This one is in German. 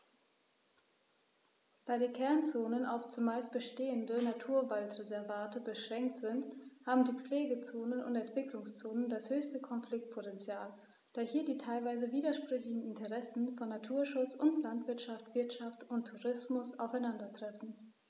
Da die Kernzonen auf – zumeist bestehende – Naturwaldreservate beschränkt sind, haben die Pflegezonen und Entwicklungszonen das höchste Konfliktpotential, da hier die teilweise widersprüchlichen Interessen von Naturschutz und Landwirtschaft, Wirtschaft und Tourismus aufeinandertreffen.